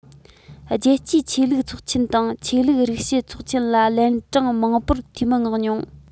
རྒྱལ སྤྱིའི ཆོས ལུགས ཚོགས ཆེན དང ཆོས ལུགས རིག དཔྱད ཚོགས ཆེན ལ ལན གྲངས མང པོར འཐུས མི མངགས མྱོང